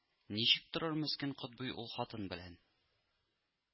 Ничек торыр мескен котбый ул хатын белән